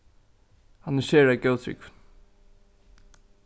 hann er sera góðtrúgvin